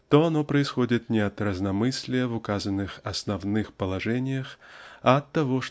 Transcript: то оно происходит не от разномыслия в указанных основных положениях а оттого